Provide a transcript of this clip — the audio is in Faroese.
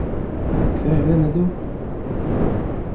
hvar venur tú